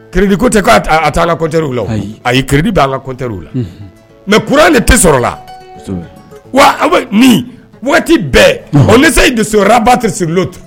Crédit ko tɛ k'a t'an ka compteur la wo, ayi Crédit b'a k'an compteur la mais courant de tɛ sɔrɔ la wa nin waati bɛɛ on essaye de se rabattre sur l'autre